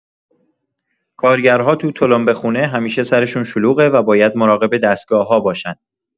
کارگرها تو تلمبه‌خونه همیشه سرشون شلوغه و باید مراقب دستگاه‌ها باشن.